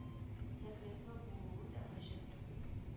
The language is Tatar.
Секретлы булуы да гаҗәп түгел